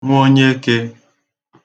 nwonyekē